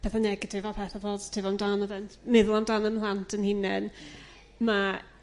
pethe negatif a pethe positif amdano fe ond meddwl am dan ym mhlant 'yn hunen ma'